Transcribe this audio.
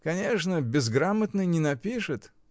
— Конечно, безграмотный не напишет.